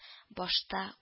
– башта